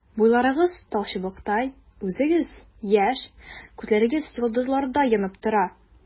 Буйларыгыз талчыбыктай, үзегез яшь, күзләрегез йолдызлардай янып тора.